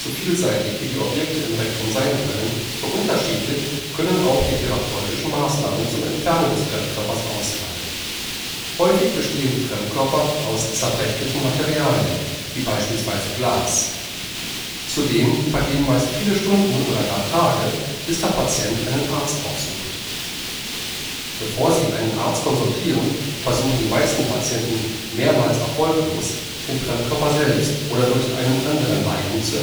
vielseitig wie die Objekte im Rektum sein können, so unterschiedlich können auch die therapeutischen Maßnahmen zum Entfernen des Fremdkörpers ausfallen. Häufig bestehen die Fremdkörper aus zerbrechlichen Materialien, wie beispielsweise Glas. Zudem vergehen meist viele Stunden oder gar Tage, bis der Patient einen Arzt aufsucht. Bevor sie einen Arzt konsultieren, versuchen die meisten Patienten mehrmals erfolglos, den Fremdkörper selbst oder durch einen anderen Laien zu